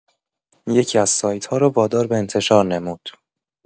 یکی‌از سایت‌ها را وادار به انتشار نمود.